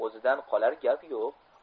o'zidan qolar gap yo'q